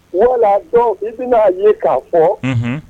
Wala dɔn i tɛnaa ye k' fɔ